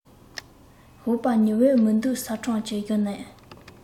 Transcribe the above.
ཞོགས པ ཉི འོད མི འདུག ས ཁྲོམ གྱི གཞུང ནས